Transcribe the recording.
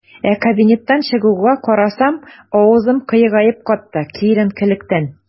Ә кабинеттан чыгуга, карасам - авызым кыегаеп катты, киеренкелектән.